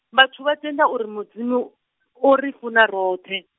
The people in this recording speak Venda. vhathu vhatenda uri Mudzimu, uri funa roṱhe.